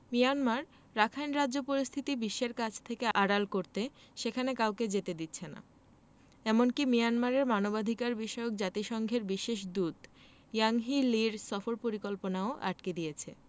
Myanmar Rakhine রাজ্য পরিস্থিতি বিশ্বের কাছ থেকে আড়াল করতে সেখানে কাউকে যেতে দিচ্ছে না এমনকি মিয়ানমারে মানবাধিকারবিষয়ক জাতিসংঘের বিশেষ দূত ইয়াংহি লির সফর পরিকল্পনাও আটকে দিয়েছে